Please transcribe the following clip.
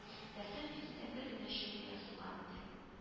Дәфтәр битендә бер генә җөмлә язылган иде: